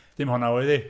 Dim honna oedd hi.